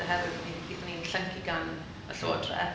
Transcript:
Oherwydd o'n i'n... gaethon ni'n llyncu gan y llywodraeth.